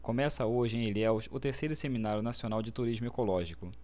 começa hoje em ilhéus o terceiro seminário nacional de turismo ecológico